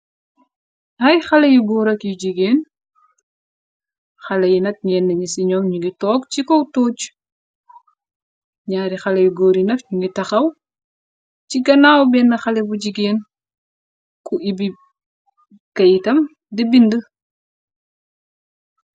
ray xale yu góorak yu jigeen xalé yi nag ngeenn ni ci ñoom ñu ngi toog ci kow tooc gñaari xale yu góor yi naf ñu ngi taxaw ci ganaaw benn xale bu jigeen ku ibbi kayitam di bind